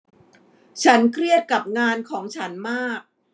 ฉันเครียดกับงานของฉันมาก